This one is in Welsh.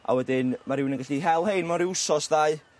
a wedyn ma' rywun yn gallu hel 'hein mewn ryw wsos ddau